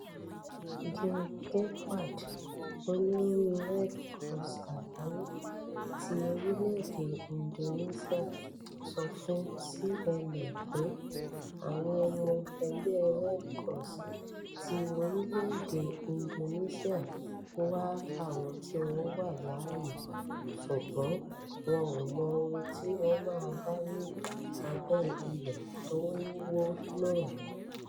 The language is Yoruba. Jan Gelfand, olórí Red Cross Àgbáyé ti orílẹ̀-èdè Indonesia sọ fún CNN pé: “Awọn ọmọ ẹgbẹ́ Red Cross ti orílẹ̀-èdè Indonesia ń wá àwọn tí wọ́n wà láàyè sùgbọ́n wọn ‘ò mọ ohun tí wọ́n máa bá ní abẹ́ àwọn ilé t’ọ́n wọ́n náà.